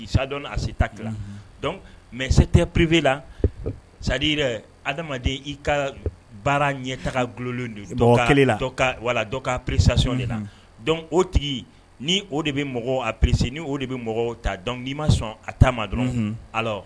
I sa dɔn a se ta ki mɛ se tɛ perepe la sadi yɛrɛ adamaden i ka baara ɲɛ taga gololon don kelen la wala dɔ ka p sayɔn de la dɔnc o tigi ni o de bɛ mɔgɔw a psi ni o de bɛ mɔgɔw ta dɔn i ma sɔn a taama dɔrɔn ala